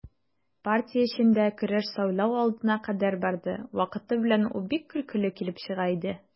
Партия эчендә көрәш сайлау алдына кадәр барды, вакыты белән ул бик көлкеле килеп чыга иде.